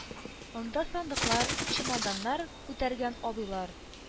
Анда сандыклар, чемоданнар күтәргән абыйлар.